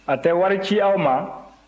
a tɛ wari ci aw ma